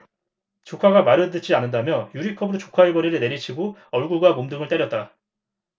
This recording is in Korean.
조카가 말을 듣지 않는다며 유리컵으로 조카의 머리를 내리치고 얼굴과 몸 등을 때렸다